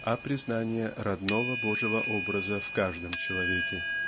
а признание родного Божьего образа в каждом человеке.